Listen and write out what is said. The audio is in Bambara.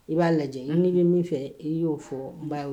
I b'a lajɛ. Un. N'i bɛ min fɛ i y'o fɔ n b'a